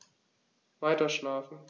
Weiterschlafen.